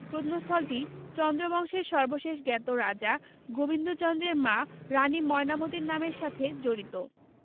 প্রত্নস্থলটি চন্দ্র বংশের সর্বশেষ জ্ঞাত রাজা গোবিন্দচন্দ্রের মা রানী ময়নামতীর নামের সাথে জড়িত